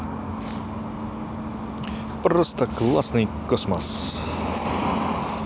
просто классный космос